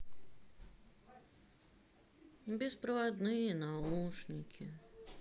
беспроводные наушники